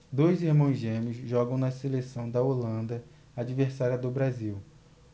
dois irmãos gêmeos jogam na seleção da holanda adversária do brasil